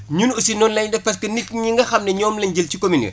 ñun aussi noonu la ñuy def parce que nit ñi nga xam ne ñoom la ñu jël ci communes ya